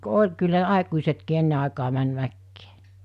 oli kyllä ne aikuisetkin ennen aikaa meni mäkeen